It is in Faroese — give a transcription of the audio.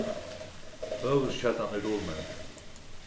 høvuðskeldan er dulnevnd